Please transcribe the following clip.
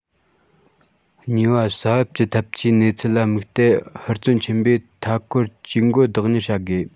གཉིས པ ས བབ ཀྱི འཐབ ཇུས གནས ཚུལ ལ དམིགས ཏེ ཧུར བརྩོན ཆེན པོས མཐའ སྐོར ཇུས འགོད བདག གཉེར བྱ དགོས